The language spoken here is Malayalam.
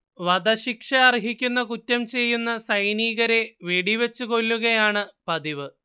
വധശിക്ഷയർഹിക്കുന്ന കുറ്റം ചെയ്യുന്ന സൈനികരെ വെടിവച്ച് കൊല്ലുകയാണ് പതിവ്